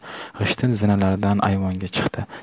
g'ishtin zinalardan ayvonga chiqdi